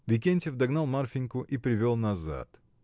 Викентьев догнал Марфиньку и привел назад.